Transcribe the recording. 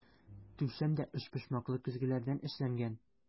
Түшәм дә өчпочмаклы көзгеләрдән эшләнгән.